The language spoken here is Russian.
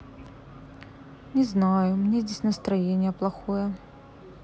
не знаю мне здесь настроение плохое